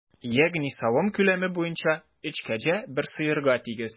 Ягъни савым күләме буенча өч кәҗә бер сыерга тигез.